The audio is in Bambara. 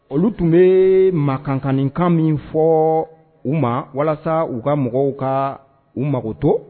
Olu tun bɛ ma kankaninkan min fɔ u ma walasa u ka mɔgɔw ka u magotɔ